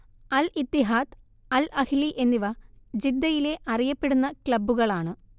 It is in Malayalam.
അൽ ഇത്തിഹാദ്‌ അൽ അഹ്‌ലി എന്നിവ ജിദ്ദയിലെ അറിയപ്പെടുന്ന ക്ലബ്ബുകളാണ്